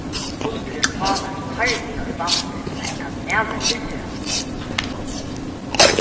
hundurin hálar so harðliga í bandið at maðurin missir hann